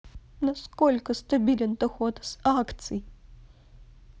насколько стабилен доход с акций